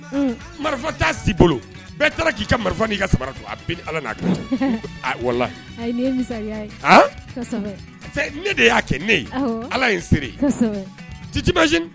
Marifat'a si bolo bɛɛ taara k'i ka marifa nni ka samara to a bɛ ni allha n'a kira cɛ ne de y'a kɛ ne allah ye seere ye.